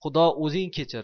xudo o'zing kechir